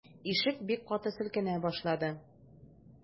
Ишек бик каты селкенә башлады.